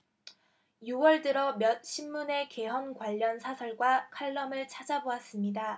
유 월 들어 몇 신문의 개헌 관련 사설과 칼럼을 찾아 보았습니다